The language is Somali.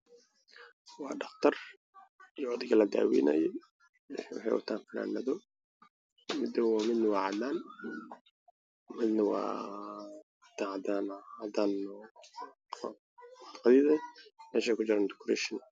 Waa dhaqtar iyo ninka la daweenayo waxay wataan fananad madow midna Wa cadaan midkale waaaaaa cadan meshay ku jiran ejukayshan